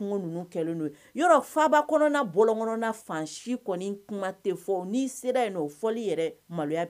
N ko ninnu kɛlen don, yɔrɔ faaba kɔnɔna bɔlɔn kɔnɔna fan si kɔni kuma tɛ fɔ n'i sera yen nɔ o fɔli yɛrɛ ye maloya